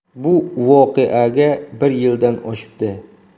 bu voqeaga bir yildan oshibdi